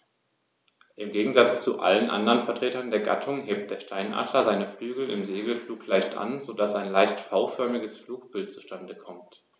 Im Gegensatz zu allen anderen Vertretern der Gattung hebt der Steinadler seine Flügel im Segelflug leicht an, so dass ein leicht V-förmiges Flugbild zustande kommt.